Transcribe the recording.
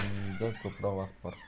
kunga ko'proq vaqt bor